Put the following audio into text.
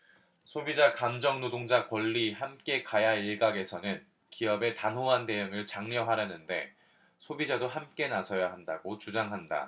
소비자 감정노동자 권리 함께 가야일각에서는 기업의 단호한 대응을 장려하는데 소비자도 함께 나서야 한다고 주장한다